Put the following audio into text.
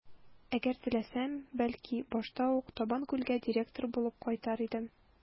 Әгәр теләсәм, бәлки, башта ук Табанкүлгә директор булып кайтыр идем.